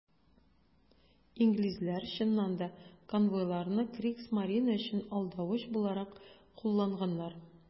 Инглизләр, чыннан да, конвойларны Кригсмарине өчен алдавыч буларак кулланганнар.